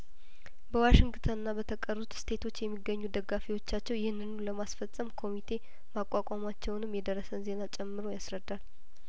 በዋሽንግተንና በተቀሩት ስቴቶች የሚገኙ ደጋፊዎቻቸው ይህንኑ ለማስፈጸም ኮሚቴ ማቋቋማቸውንም የደረሰን ዜና ጨምሮ ያስረዳል